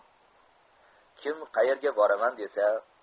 kim qaerga boraman desa